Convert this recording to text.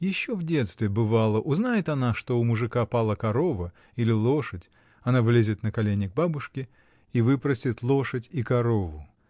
Еще в детстве, бывало, узнает она, что у мужика пала корова или лошадь, она влезет на колени к бабушке и выпросит лошадь и корову.